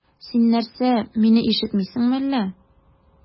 Син нәрсә, мине ишетмисеңме әллә?